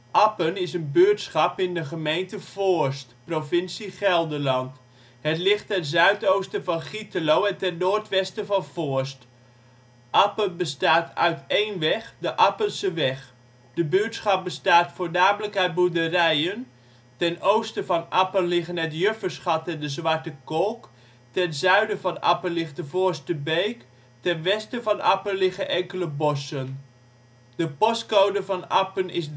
Appen is een buurtschap in de gemeente Voorst, provincie Gelderland. Het ligt ten zuidoosten van Gietelo en ten noordwesten van Voorst. Appen bestaat uit een weg: Appenseweg. De buurtschap bestaat voornamelijk uit boerderijen. Ten oosten van Appen liggen het Juffersgat en de Zwarte Kolk. Ten zuiden van Appen ligt de Voorste Beek. Ten westen van Appen liggen enkele bossen. De postcode van Appen is